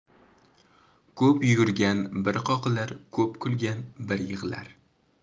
ko'p yuguigan bir qoqilar ko'p kulgan bir yig'lar